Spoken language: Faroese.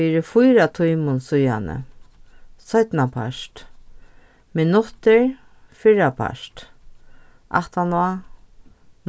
fyri fýra tímum síðani seinnapart minuttur fyrrapart aftaná